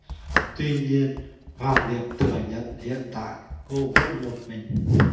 tuy nhiên hoàng điệp thừa nhận hiện tại cô vẫn một mình